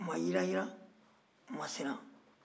u ma yiranyiran u ma siran